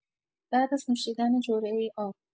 بعد از نوشیدن جرعه‌ای آب